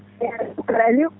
* Aliou